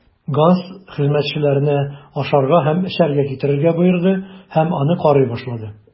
Ганс хезмәтчеләренә ашарга һәм эчәргә китерергә боерды һәм аны карый башлады.